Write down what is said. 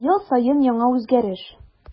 Ел саен яңа үзгәреш.